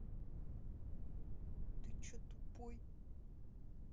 ты че тупой